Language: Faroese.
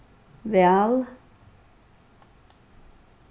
væl